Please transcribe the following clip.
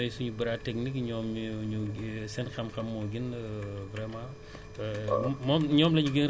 ne parce que ñoom ñooy suñu bras technique ñoom ñooñu seen xam-xam moo gën a vraiment